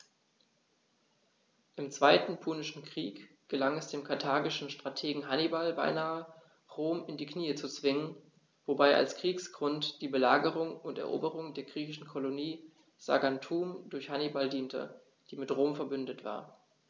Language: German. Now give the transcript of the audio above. Im Zweiten Punischen Krieg gelang es dem karthagischen Strategen Hannibal beinahe, Rom in die Knie zu zwingen, wobei als Kriegsgrund die Belagerung und Eroberung der griechischen Kolonie Saguntum durch Hannibal diente, die mit Rom „verbündet“ war.